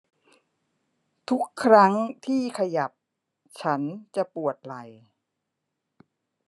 ทุกครั้งที่ขยับฉันจะปวดไหล่